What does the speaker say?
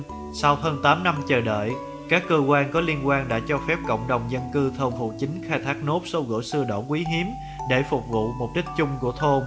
như đã đưa tin sau năm chờ đợi các cơ quan có liên quan đã cho phép cộng đồng dân cư thôn phụ chính khai thác nốt số gỗ sưa đỏ quý hiếm để phục vụ mục đích chung của thôn